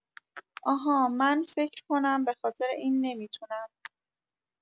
آها من فکر کنم بخاطر این نمی‌تونم